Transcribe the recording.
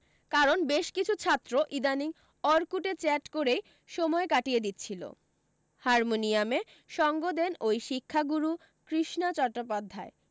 কারণ বেশ কিছু ছাত্র ইদানীং অর্কূটে চ্যাট করেই সময় কাটিয়ে দিচ্ছিল হারমোনিয়ামে সঙ্গ দেন ওই শিক্ষাগুরু কৃষ্ণা চট্টোপাধ্যায়